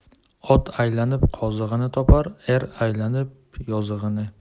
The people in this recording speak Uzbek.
ot aylanib qozig'ini topar er aylanib yozig'ini